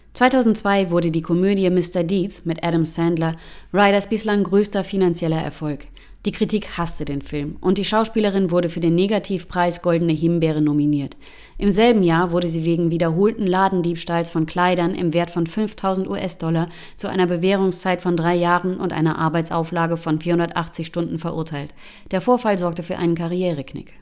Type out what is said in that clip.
2002 wurde die Komödie Mr. Deeds (mit Adam Sandler) Ryders bislang größter finanzieller Erfolg. Die Kritik hasste den Film; und die Schauspielerin wurde für den Negativpreis Goldene Himbeere nominiert. Im selben Jahr wurde sie wegen wiederholten Ladendiebstahls von Kleidern im Wert von 5.000 US-Dollar zu einer Bewährungszeit von drei Jahren und einer Arbeitsauflage von 480 Stunden verurteilt. Der Vorfall sorgte für einen Karriereknick